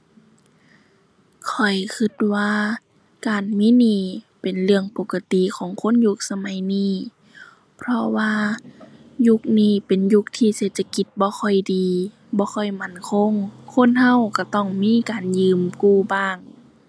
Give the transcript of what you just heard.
ข้อยคิดว่าการมีหนี้เป็นเรื่องปกติของคนยุคสมัยนี้ เพราะว่ายุคนี้เป็นยุคที่เศรษฐกิจบ่ค่อยดี บ่ค่อยมั่นคง คนคิดคิดต้องมีการยืมกู้บ้าง